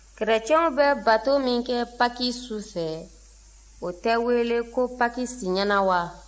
kerecɛnw bɛ bato min kɛ paki su fɛ o tɛ wele ko paki siɲɛna wa